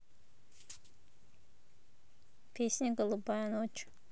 песня голубая ночь